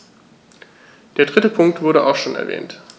Der dritte Punkt wurde auch schon erwähnt.